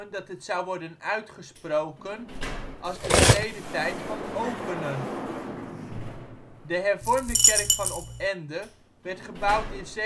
dat het zou worden uitgesproken als de verleden tijd van openen. De hervormde kerk van Opende werd gebouwd in 1748